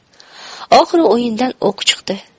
oxiri o'yindan o'q chiqdi